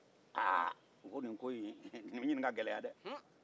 u ko nin ko in bɛ ɲini ka gɛlɛya dɛ